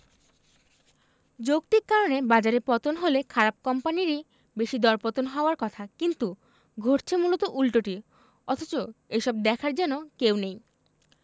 যৌক্তিক কারণে বাজারে পতন হলে খারাপ কোম্পানিরই বেশি দরপতন হওয়ার কথা কিন্তু ঘটছে মূলত উল্টোটি অথচ এসব দেখার যেন কেউ নেই